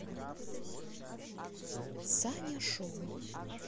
саня шоу